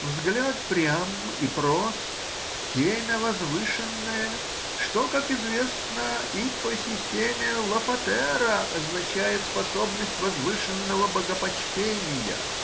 взгляд прям и прост, темя возвышенное, что, как известно, и по системе Лафатера означает способность возвышенного богопочтения